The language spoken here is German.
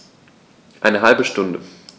Eine halbe Stunde